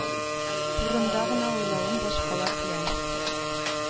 Турында гына уйлавың башкалар белән